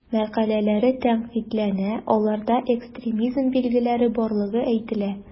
Мәкаләләре тәнкыйтьләнә, аларда экстремизм билгеләре барлыгы әйтелә.